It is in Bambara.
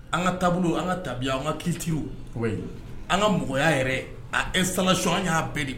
An ka taabolo an ka tabiya an ka kiw an ka mɔgɔ y' yɛrɛ a ɛsalati an y'a bɛɛ de